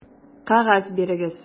Кәгазь бирегез!